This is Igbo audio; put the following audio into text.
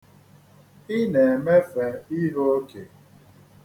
I na-emefe ihe oke.